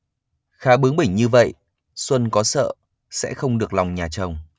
khá bướng bỉnh như vậy xuân có sợ sẽ không được lòng nhà chồng